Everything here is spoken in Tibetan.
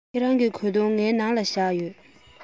ཁྱེད རང གི གོས ཐུང ངའི ནང ལ བཞག ཡོད